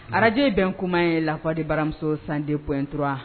Arajo bɛn kuma la voixde baramuso 102.3